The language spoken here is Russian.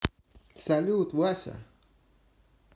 салют вася